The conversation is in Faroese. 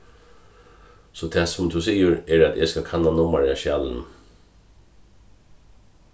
so tað sum tú sigur er at eg skal kanna nummarið á skjalinum